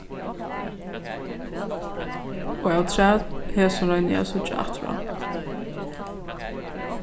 og afturat hesum royni eg at síggja aftur á